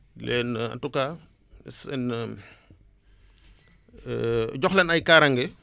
les en tout cas seen jox leen ay kaaraange